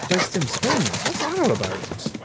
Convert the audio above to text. Does dim swing. What's that all about?